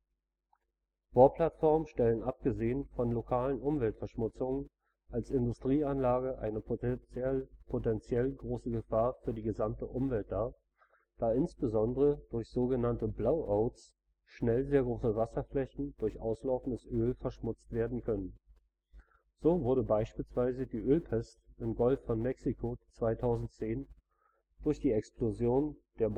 Bohrplattformen stellen abgesehen von lokalen Umweltverschmutzungen als Industrieanlage eine potenziell große Gefahr für die gesamte Umwelt dar, da insbesondere durch sogenannte „ Blowouts “schnell sehr große Wasserflächen durch auslaufendes Öl verschmutzt werden können. So wurde beispielsweise die Ölpest im Golf von Mexiko 2010 durch die Explosion der